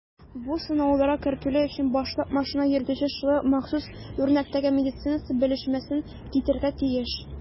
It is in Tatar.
Бу сынауларга кертелү өчен башлап машина йөртүче шулай ук махсус үрнәктәге медицинасы белешмәсен китерергә тиеш.